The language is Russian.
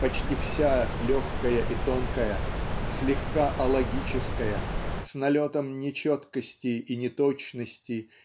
Почти вся легкая и тонкая слегка алогическая с налетом нечеткости и неточности